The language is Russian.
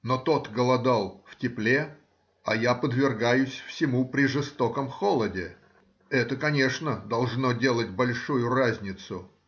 Но тот голодал в тепле, а я подвергаюсь всему при жестоком холоде,— это, конечно, должно делать большую разницу.